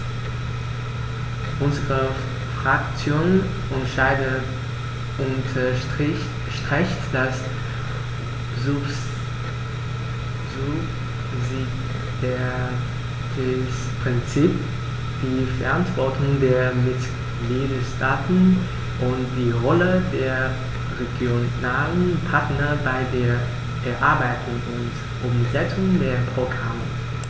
Unsere Fraktion unterstreicht das Subsidiaritätsprinzip, die Verantwortung der Mitgliedstaaten und die Rolle der regionalen Partner bei der Erarbeitung und Umsetzung der Programme.